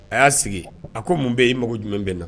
A y'a sigi a ko mun bɛ ye mako jumɛn bɛ n na.